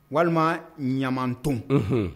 Walima ɲamaton h